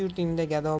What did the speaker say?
o'z yurtingda gado bo'l